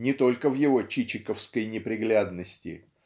не только в его чичиковской неприглядности